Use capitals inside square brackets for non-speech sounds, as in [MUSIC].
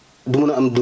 [HESITATION] [HESITATION]